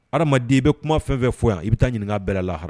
Hadamaden bɛ kuma fɛn fɛ fo yan i bɛ taa ɲininka bɛɛ lahara